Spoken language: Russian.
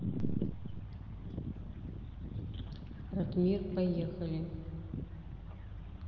ратмир поехали